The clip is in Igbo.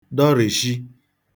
dọrìshi